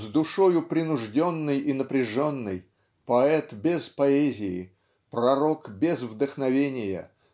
с душою принужденной и напряженной поэт без поэзии пророк без вдохновения